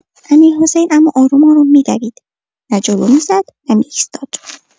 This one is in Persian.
امیرحسین اما آروم آروم می‌دوید، نه جلو می‌زد، نه می‌ایستاد.